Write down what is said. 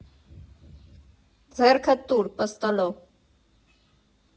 ՁԵՌՔԴ ՏՈՒՐ, ՊՍՏԼՈ։